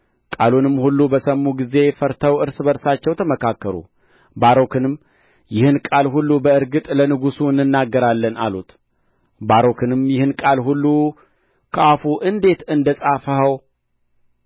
ቃሉንም ሁሉ በሰሙ ጊዜ ፈርተው እርስ በእርሳቸው ተመካከሩ ባሮክንም ይህን ቃል ሁሉ በእርግጥ ለንጉሡ እንናገራለን አሉት ባሮክንም ይህን ቃል ሁሉ ከአፉ እንዴት እንደ ጻፍኸው